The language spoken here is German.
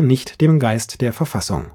nicht dem Geist der Verfassung.